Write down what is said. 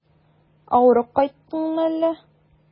Авырып кайттыңмы әллә?